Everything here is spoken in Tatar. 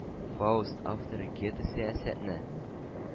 “фауст” авторы гете сәясәтне